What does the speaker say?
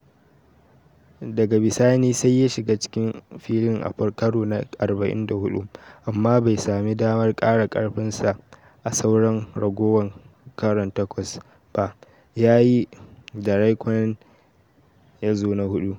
Daga bisani sai ya shiga cikin filin a karo na 44 amma bai sami damar kara karfinsa a sauran ragowan karon takwas ba yayin da Raikkonen yazo na hudu.